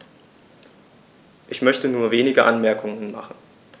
Ich möchte nur wenige Anmerkungen machen.